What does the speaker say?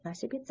nasib etsa